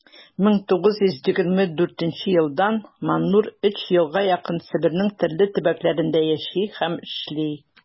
1924 елдан ш.маннур өч елга якын себернең төрле төбәкләрендә яши һәм эшли.